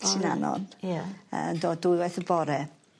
sy'n anodd. Ie. Yy yn dod dwy waith y bore.